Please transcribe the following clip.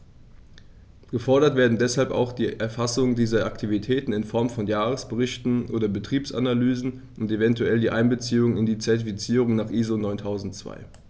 Gefordert werden deshalb auch die Erfassung dieser Aktivitäten in Form von Jahresberichten oder Betriebsanalysen und eventuell die Einbeziehung in die Zertifizierung nach ISO 9002.